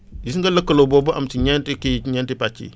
gis nga lëkkaloo boobu am ci ñeeni kii ñeenti pàcc yi